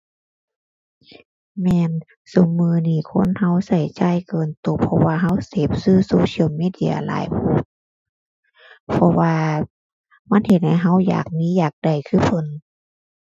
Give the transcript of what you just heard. แม่น ซุมื้อนี้คนเราเราจ่ายเกินโต เพราะว่าเราเสพสื่อ social media หลายโพด เพราะว่ามันเฮ็ดให้เราอยากมีอยากได้คือเพิ่น